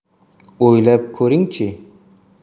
o'ylab ko'ringchi